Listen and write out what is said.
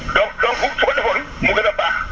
donc donc su ko defoon mu gën a baax